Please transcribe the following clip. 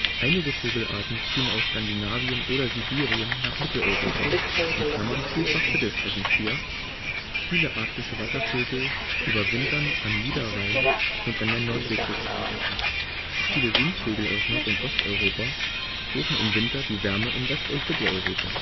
Einige Vogelarten ziehen aus Skandinavien oder Sibirien nach Mitteleuropa (vielfach Mittelstreckenzieher). Viele arktische Wasservögel überwintern am Niederrhein und an der Nordseeküste. Viele Singvögel aus Nord - und Osteuropa suchen im Winter die Wärme in West - und Mitteleuropa